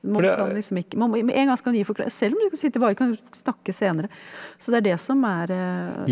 man kan liksom ikke man med en gang skal man gi forklaring selv om snakke senere, så det er det som er .